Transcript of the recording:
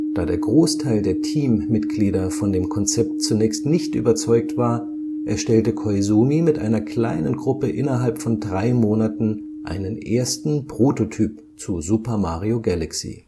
Da der Großteil der Teammitglieder von dem Konzept zunächst nicht überzeugt war, erstellte Koizumi mit einer kleinen Gruppe innerhalb von drei Monaten einen ersten Prototyp zu Super Mario Galaxy